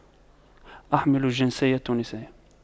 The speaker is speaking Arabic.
أحمل الجنسية التونسية